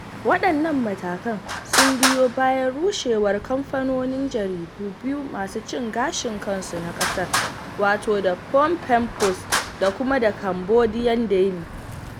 Waɗannan matakan sun biyo bayan rushewar kamfanonin jaridu biyu masu cin gashin kansu na ƙasar, wato 'The Phnom Pehn Post' da kuma 'The Cambodia Daily'.